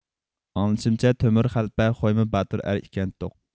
ئاڭلىشىمچە تۆمۈر خەلپە خويمۇ باتۇر ئەر ئىكەنتۇق